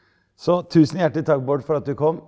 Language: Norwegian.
så 1000 hjertelig takk Bård for at du kom.